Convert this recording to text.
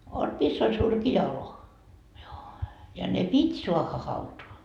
on missä oli surkea olo joo ja ne piti saada hautaan